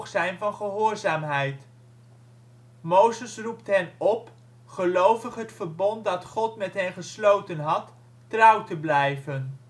zijn van gehoorzaamheid. Mozes roept hen op gelovig het verbond dat God met hen gesloten had trouw te blijven